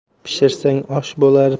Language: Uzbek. pishirsang osh bo'lar